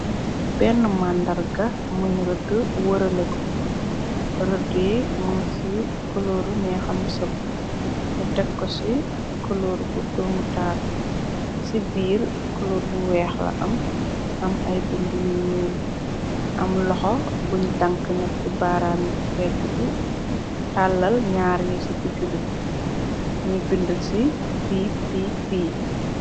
Benn màndar ga muñ rëddi wërale ko rëdd yi mëng ci kolooru ñeexam sëp ñu tekko ci koloor bu doomu taal ci biir koloor bu weex la am am ay bind yu ñuul am loxo buñ dank ñatti baaraami yegg bi tàllal ñaar yu ci digg bi ñu bind ci pp p.